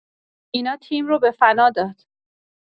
اینا تیم رو به فنا داد.